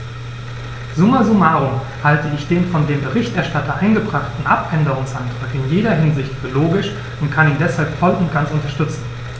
Summa summarum halte ich den von dem Berichterstatter eingebrachten Abänderungsantrag in jeder Hinsicht für logisch und kann ihn deshalb voll und ganz unterstützen.